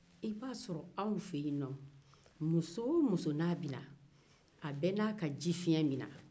i b'a sɔrɔ anw fɛ yen nɔ muso o muso n'a bɛ na a bɛɛ ni a ka fiɲɛ bɛ na